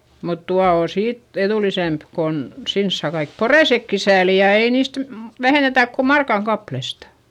mutta tuolla on siitä edullisempi kun sinne saa kaikki poreisetkin sääliä ja ei niistä - vähennetä kuin markan kappaleesta